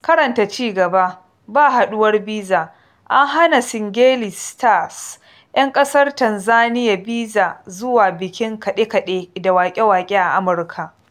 Karanta cigaba: "Ba Haduwar Biza". An hana Singeli stars 'yan ƙasar Tanzaniya bizar zuwa bikin kaɗe-kaɗe da waƙe-waƙe a Amurka.